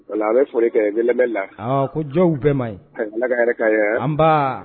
Voilà a' bɛ foli kɛ, u bɛ lamɛnni la ɔɔ kojɔ y'u bɛ ma in Ala ka hɛra k'an bɛ ye, an ba